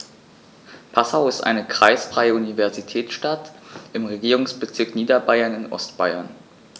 Passau ist eine kreisfreie Universitätsstadt im Regierungsbezirk Niederbayern in Ostbayern.